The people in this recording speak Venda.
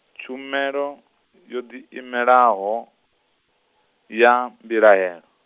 Tshumelo, yo ḓiimelaho, ya Mbilahelo.